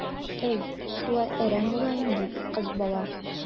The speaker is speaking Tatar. Әй, шулай әрәм була инде кыз бала.